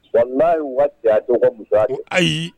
Wa' wa diya dɔgɔ mu ayi